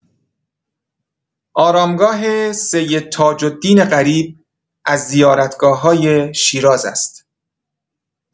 آرامگاه سید تاج‌الدین غریب از زیارتگاه‌های شیراز است.